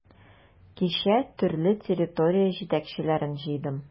Кичә төрле территория җитәкчеләрен җыйдым.